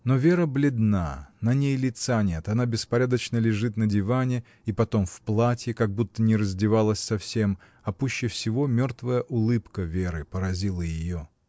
Но Вера бледна, на ней лица нет, она беспорядочно лежит на диване, и потом в платье, как будто не раздевалась совсем, а пуще всего мертвая улыбка Веры поразила ее.